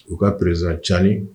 U ka perezsan calen